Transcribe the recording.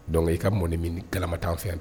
Donc i ka mɔni minni kalama t'an fɛ yan.